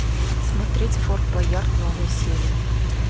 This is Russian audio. смотреть форт боярд новые серии